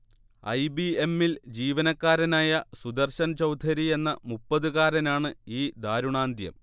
I. B. എ. മ്മി ൽ ജീവനക്കാരനായ സുദർശൻ ചൗധരി എന്ന മുപ്പതു കാരനാണ് ഈ ദാരുണാന്ത്യം